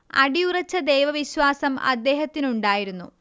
അടിയുറച്ച ദൈവവിശ്വാസം അദ്ദേഹത്തിനുണ്ടായിരുന്നു